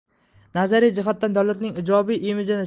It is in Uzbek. nazariy jihatdan davlatning ijobiy imijini